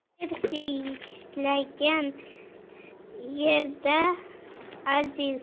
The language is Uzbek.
er siylagan yerda aziz